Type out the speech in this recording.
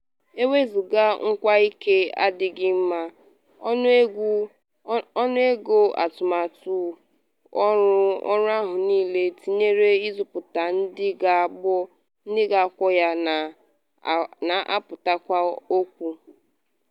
Ewezuga ngwaike adịghị mma, ọnụego atụmatụ ọrụ ahụ niile - tinyere ịzụpụta ndị ga-akwọ ya - na-apụtakwa okwu.